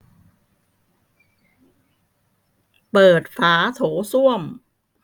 เปิดฝาโถส้วม